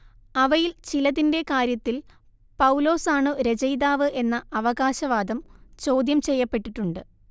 അവയിൽ ചിലതിന്റെ കാര്യത്തിൽ പൗലോസാണു രചയിതാവ് എന്ന അവകാശവാദം ചോദ്യംചെയ്യപ്പെട്ടിട്ടുണ്ട്